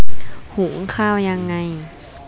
หุงข้าวยังไง